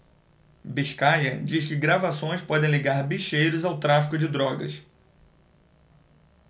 biscaia diz que gravações podem ligar bicheiros ao tráfico de drogas